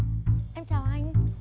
em chào anh